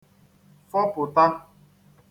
fọpụ̀ta